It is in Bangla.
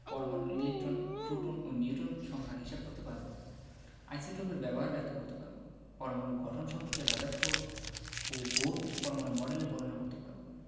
পরমাণুর ইলেকট্রন প্রোটন ও নিউট্রন সংখ্যা হিসাব করতে পারব আইসোটোপের ব্যবহার ব্যাখ্যা করতে পারব পরমাণুর গঠন সম্পর্কে রাদারফোর্ড ও বোর পরমাণু মডেলের বর্ণনা করতে পারব